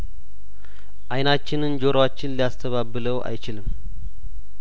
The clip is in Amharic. አይናችንን ጆሮአችን ሊያስ ተባብለው አይችልም